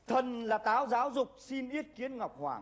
thần là táo giáo dục xin yết kiến ngọc hoàng